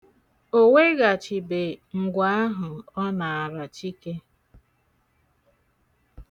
O weghachịbe ngwe ahụ ọ naara Chike.